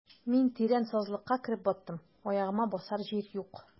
Мин тирән сазлыкка кереп баттым, аягыма басар җир юк.